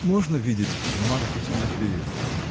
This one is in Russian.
-- Можно видеть Марфу Тимофеевну?